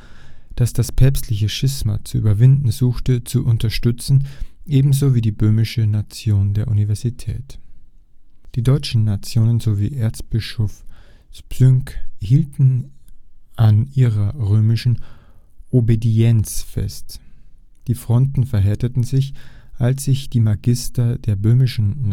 päpstliche Schisma zu überwinden suchte, zu unterstützen, ebenso wie die böhmische Nation der Universität. Die deutschen Nationen sowie Erzbischof Zbyněk hingegen hielten an ihrer römischen Obedienz fest. Die Fronten verhärteten sich, als sich die Magister der böhmischen